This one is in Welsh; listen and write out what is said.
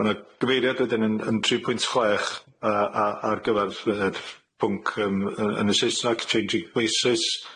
Ma' 'ne gyfeiriad wedyn yn yn tri pwynt chwech yy a ar gyfer yr pwnc yym yy yn y Saesneg 'changing places',